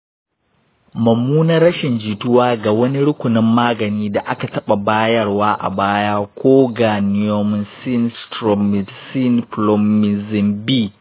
mummunar rashin jituwa ga wani rukunin magani da aka taɓa bayarwa a baya ko ga neomycin/streptomycin/polymyxin b.